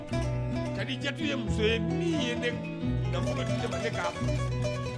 Ka di ja ye muso ye ni ye ne da kan